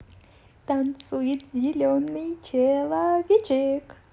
танцует зеленый человечек